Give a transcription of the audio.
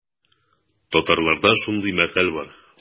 Татарларда шундый мәкаль бар.